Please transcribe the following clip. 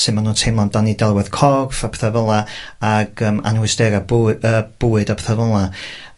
su' ma' nw'n teimlo am dan 'u,delwedd corff a petha fela, ag yym anhwystera bwy- yy bwyd apetha fel 'na.